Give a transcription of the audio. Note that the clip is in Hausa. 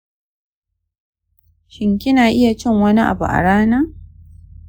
shin kina iya cin wani abu a rana?